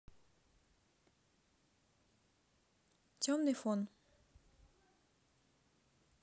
темный фон